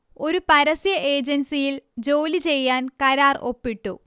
ഒരു പരസ്യ ഏജൻസിയിൽ ജോലി ചെയ്യാൻ കരാർ ഒപ്പിട്ടു